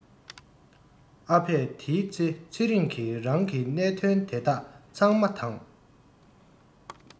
ཨ ཕས དེའི ཚེ ཚེ རིང གི རང གི གནད དོན དེ དག ཚང མ དང